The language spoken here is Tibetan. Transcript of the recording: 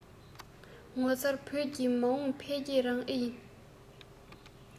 ངོ མཚར བོད ཀྱི མ འོངས འཕེལ རྒྱས རང ཨེ ཡིན